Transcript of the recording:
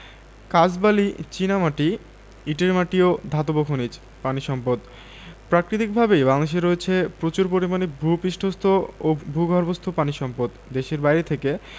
কাঁচবালি চীনামাটি ইটের মাটি এবং ধাতব খনিজ পানি সম্পদঃ প্রাকৃতিকভাবেই বাংলাদেশের রয়েছে প্রচুর পরিমাণে ভূ পৃষ্ঠস্থ ও ভূগর্ভস্থ পানি সম্পদ দেশের বাইরে থেকে